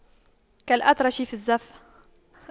كالأطرش في الزَّفَّة